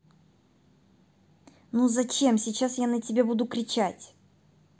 ну зачем сейчас я на тебя буду кричать